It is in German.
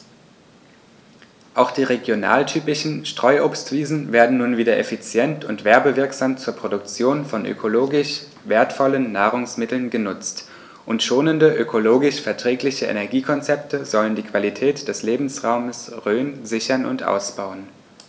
Auch die regionaltypischen Streuobstwiesen werden nun wieder effizient und werbewirksam zur Produktion von ökologisch wertvollen Nahrungsmitteln genutzt, und schonende, ökologisch verträgliche Energiekonzepte sollen die Qualität des Lebensraumes Rhön sichern und ausbauen.